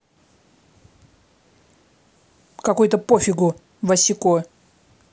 какой то пофигу васико